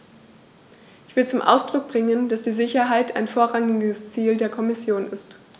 Ich will zum Ausdruck bringen, dass die Sicherheit ein vorrangiges Ziel der Kommission ist.